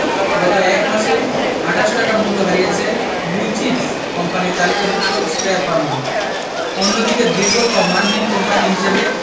গত এক মাসে ২৮ টাকা মূল্য হারিয়েছে ব্লু চিপস কোম্পানির তালিকাভুক্ত স্কয়ার ফার্মা অন্যদিকে দুর্বল ও মানহীন কোম্পানি হিসেবে